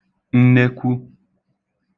nnekwu